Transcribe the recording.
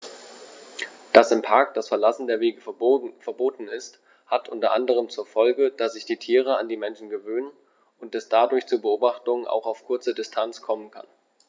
Dass im Park das Verlassen der Wege verboten ist, hat unter anderem zur Folge, dass sich die Tiere an die Menschen gewöhnen und es dadurch zu Beobachtungen auch auf kurze Distanz kommen kann.